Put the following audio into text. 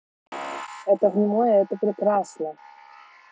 это внемоя это прекрасно